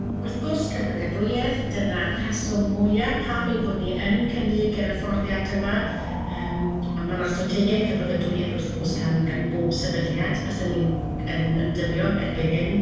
Wrth gwrs cyflogadwyedd, dyna'r rheswm mwya pam ein bod ni yn cynnig yr hyfforddiant yma, yym a ma' 'na strategaeth gyflogadwyedd wrth gwrs gan gan bob sefydliad byswn ni yn yn dybio erbyn hyn.